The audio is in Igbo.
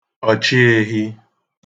ọ̀chịēhī